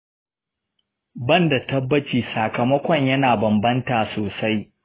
ban da tabbaci; sakamakon yana bambanta sosai.